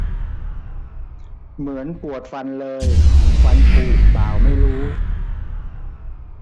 เหมือนปวดฟันเลยฟันผุป่าวไม่รู้